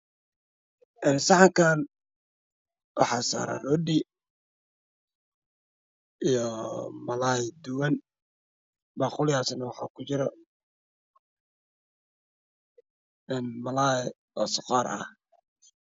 Saxankaan waxaa saaran rooti iyo malaay duban. Baaquligaas waxaa kujiro malaay oo suqaar ah.